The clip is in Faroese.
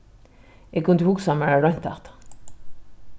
eg kundi hugsað mær at roynt hatta